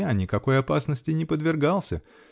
Я никакой опасности не подвергался.